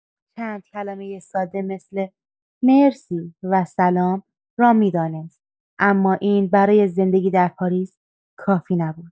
چند کلمه ساده مثل"مرسی" و "سلام" را می‌دانست، اما این برای زندگی در پاریس کافی نبود.